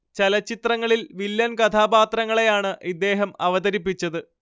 ചലച്ചിത്രങ്ങളിൽ villain കഥാപാത്രങ്ങളെയാണ് ഇദ്ദേഹം അവതരിപ്പിച്ചത്